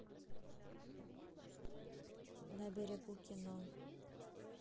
на берегу кино